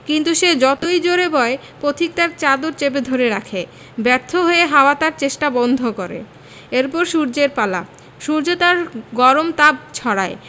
কিন্তু সে যতই জোড়ে বয় পথিক তার চাদর চেপে ধরে রাখে ব্যর্থ হয়ে হাওয়া তার চেষ্টা বন্ধ করে এর পর সূর্যের পালা সূর্য তার গরম তাপ ছড়ায়